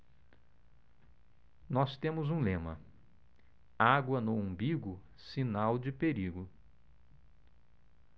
nós temos um lema água no umbigo sinal de perigo